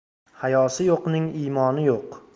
hayosi yo'qning imoni yo'q